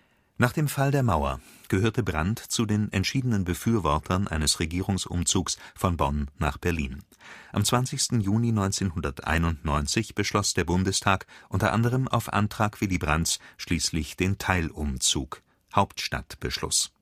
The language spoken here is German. Nach dem Fall der Mauer gehörte Brandt zu den entschiedenen Befürwortern eines Regierungsumzugs von Bonn nach Berlin. Am 20. Juni 1991 beschloss der Bundestag – unter anderem auf Antrag Willy Brandts – schließlich den Teilumzug (Hauptstadtbeschluss